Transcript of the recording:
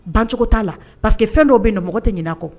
Ban cogo t'a la parce que fɛn dɔw bɛ yen nɔ, mɔgɔ tɛ ɲinɛ a kɔ.